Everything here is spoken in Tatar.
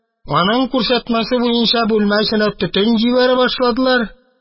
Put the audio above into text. Аның күрсәтмәсе буенча, бүлмә эченә төтен җибәрә башладылар.